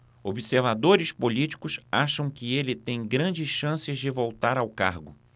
observadores políticos acham que ele tem grandes chances de voltar ao cargo